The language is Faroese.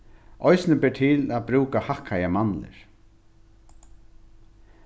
eisini ber til at brúka hakkaðar mandlur